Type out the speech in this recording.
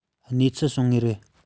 གནས ཚུལ བྱུང ངེས ཡིན